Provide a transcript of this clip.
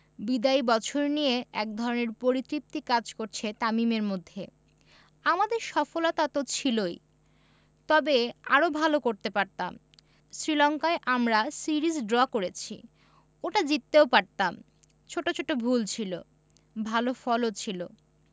বিদায়ী বছর নিয়ে একধরনের পরিতৃপ্তি কাজ করছে তামিমের মধ্যে আমাদের সফলতা তো ছিলই তবে আরও ভালো করতে পারতাম শ্রীলঙ্কায় আমরা সিরিজ ড্র করেছি ওটা জিততেও পারতাম ছোট ছোট ভুল ছিল ভালো ফলও ছিল